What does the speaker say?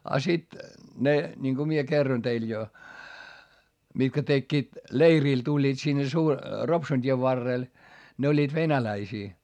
ja sitten ne niin kun minä kerroin teille jo mitkä tekivät leirille tulivat sinne - Ropsun tien varrelle ne olivat venäläisiä